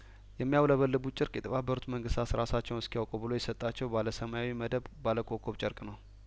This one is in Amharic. የሚያውለበልቡት ጨርቅ የተባበሩት መንግስታ ስራሳቸውን እስኪያውቁ ብሎ የሰጣቸው ባለሰማያዊ መደብ ባለኮኮብ ጨርቅ ነው